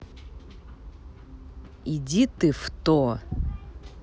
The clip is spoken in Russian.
иди ты в то